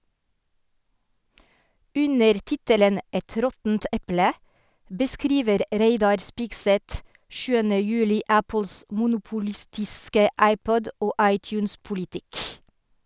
Under tittelen «Et råttent eple» beskriver Reidar Spigseth 7. juli Apples monopolistiske iPod- og iTunes-politikk.